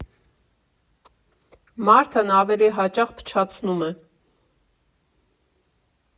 Մարդն ավելի հաճախ փչացնում է։